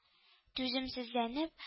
Түземсезләнеп